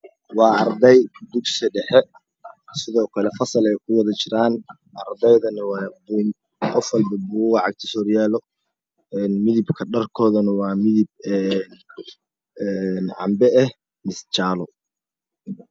Waa arday dugsi dhexe sidokale fasaleey kuwada jiraan ardaydana qof walbo buuga hortiis yaalo een midabka dharkoodana waa midab canbe ah mise jaalo